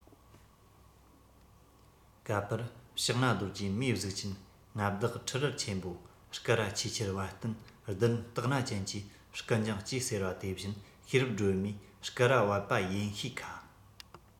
ག པར ཕྱག ན རྡོ རྗེ མིའི གཟུགས ཅན མངའ བདག ཁྲི རལ ཆེན པོ སྐུ ར ཆེས ཆེར བད བསྟུན བདུད བློན སྟག སྣ ཅན གྱིས སྐུ མཇིང གཅུས ཟེར བ དེ བཞིན ཤེས རབ སྒྲོལ མས སྐུ ར བད པ ཡིན ཤས ཁ